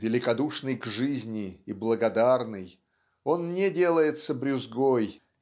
Великодушный к жизни и благодарный он не делается брюзгой